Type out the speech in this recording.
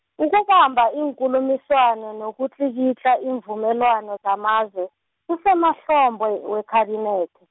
ukubamba, iinkulumiswano nokutlikitla iimvumelwano zamazwe, kusemahlombe weKhabinethe.